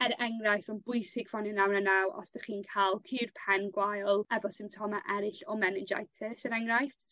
er enghraifft ma'n bwysig ffonio naw naw naw os 'dych chi'n ca'l cur pen gwael efo symptome eryll o meningitis er enghraifft.